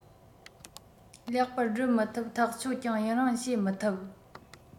ལེགས པར སྒྲུབ མི ཐུབ ཐག ཆོད ཀྱང ཡུན རིང བྱེད མི ཐུབ